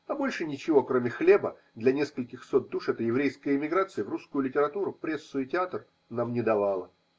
А больше ничего, кроме хлеба для нескольких сот душ, эта еврейская эмиграция в русскую литературу, прессу и театр нам не давала.